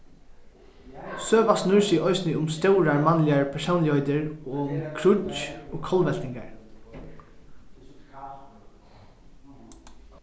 søga snýr seg eisini um stórar mannligar persónligheitir og um kríggj og kollveltingar